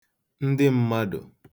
ndị m̄mādụ̀